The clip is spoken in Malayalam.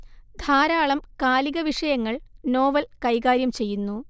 ധാരാളം കാലിക വിഷയങ്ങൾ നോവൽ കൈകാര്യം ചെയ്യുന്നു